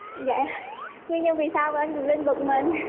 dạ nguyên nhân vì sao anh quyền linh bực mình